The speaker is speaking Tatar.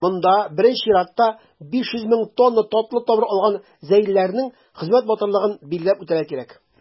Монда, беренче чиратта, 500 мең тонна татлы тамыр алган зәйлеләрнең хезмәт батырлыгын билгеләп үтәргә кирәк.